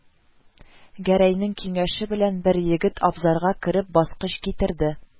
Гәрәйнең киңәше белән бер егет, абзарга кереп, баскыч китерде